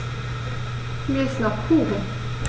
Mir ist nach Kuchen.